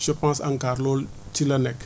je pense ANCAR loolu ci la nekk